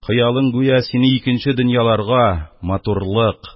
Хыялың, гүя, сине икенче дөньяларга, матурлык,